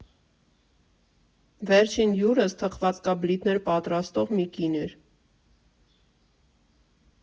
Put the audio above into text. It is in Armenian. Վերջին հյուրս թխվածքաբլիթներ պատրաստող մի կին էր։